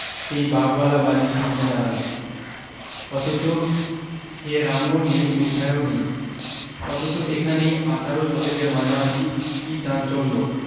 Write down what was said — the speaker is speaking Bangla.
সেই বাঘওয়ালা বাড়ীর সামনে দাঁড়ালে আজ সে রামও নেই অ্যধ্যায়ও নেই অথচ এখানেই আঠেরো শতকের মাঝামাঝি কী চাঞ্চল্য